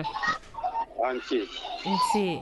Kisi